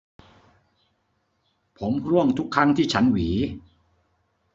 ผมร่วงทุกครั้งที่ฉันหวี